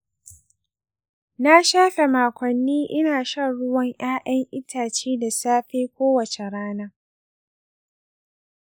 na shafe makonni ina shan ruwan ’ya’yan itace da safe kowace rana.